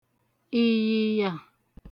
ị̀yị̀yà